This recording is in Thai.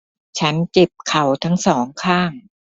ฉันเจ็บเข่าทั้งสองข้าง